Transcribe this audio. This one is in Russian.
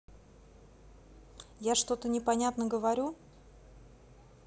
я что то непонятно говорю